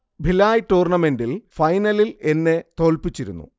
ഭിലായ് ടൂർണമെൻിൽ ഫൈനലിൽ എന്നെ തോൽപ്പിച്ചിരുന്നു